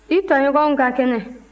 i tɔɲɔgɔnw ka kɛnɛ